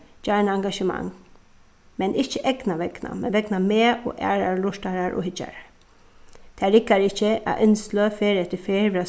gjarna engagement men ikki egna vegna men vegna meg og aðrar lurtarar og hyggjarar tað riggar ikki at innsløg ferð eftir ferð verða